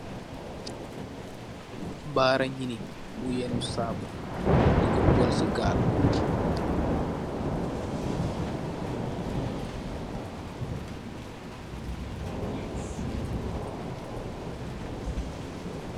Barra nyinni bu yennu saaku, di ko dugal si gaal